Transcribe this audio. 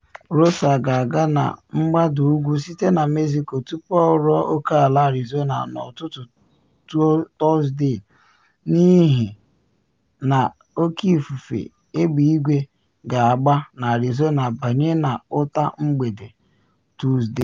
Rosa ga aga na mgbada ugwu site na Mexico tupu o ruo okeala Arizona n'ụtụtụ Tuzdee n'ihi na oke ifufe egbeigwe ga agba na Arizona banye na Utah mgbede Tuzdee.